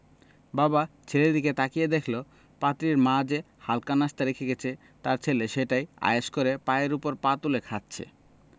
বাবা ছেলের দিকে তাকিয়ে দেখল পাত্রীর মা যে হালকা নাশতা রেখে গেছে তার ছেলে সেটাই আয়েশ করে পায়ের ওপর পা তুলে খাচ্ছে